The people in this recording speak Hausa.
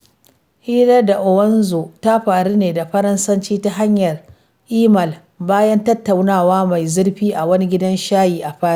Hira da Ouabonzi ta faru ne da Faransanci ta hanyar email bayan tattaunawa mai zurfi a wani gidan shayi a Paris.